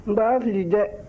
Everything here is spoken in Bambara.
n b'a fili dɛ